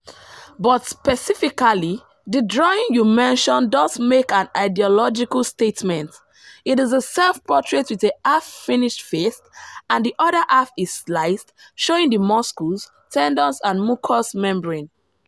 But, specifically, the drawing you mention does make an ideological statement: It is a self-portrait with a half-finished face, and the other half is sliced, showing the muscles, tendons and mucous membranes.